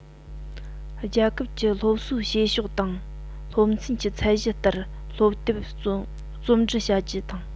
རྒྱལ ཁབ ཀྱི སློབ གསོའི བྱེད ཕྱོགས དང སློབ ཚན གྱི ཚད གཞི ལྟར སློབ དེབ རྩོམ འབྲི བྱ རྒྱུ དང